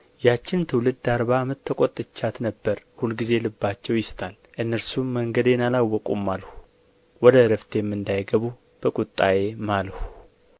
ያችን ትውልድ አርባ ዓመት ተቈጥቻት ነበር ሁልጊዜ ልባቸው ይስታል እነርሱም መንገዴን አላወቁም አልሁ ወደ ዕረፍቴም እንዳይገቡ በቁጣዬ ማልሁ